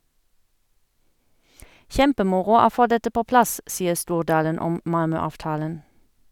- Kjempemoro å få dette på plass, sier Stordalen om Malmö-avtalen.